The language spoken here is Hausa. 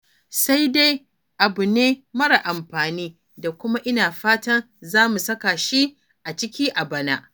Sai dai ba abu ne mara amfani ba kuma ina fatan za mu saka shi a ciki a bana!